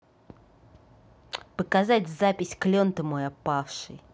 показать запись клен ты мой опавший